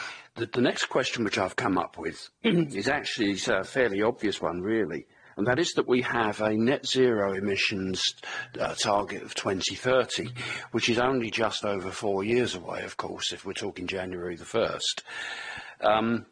The- the next question which I've come up with is actually a fairly obvious one really, and that is that we have a net zero emissions err target for twenty thirty which is only just over four years away of course, if we're talking January the first. Erm.